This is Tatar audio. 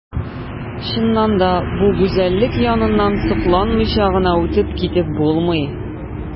Чыннан да бу гүзәллек яныннан сокланмыйча гына үтеп китеп булмый.